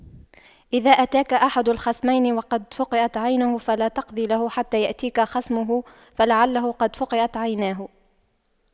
إذا أتاك أحد الخصمين وقد فُقِئَتْ عينه فلا تقض له حتى يأتيك خصمه فلعله قد فُقِئَتْ عيناه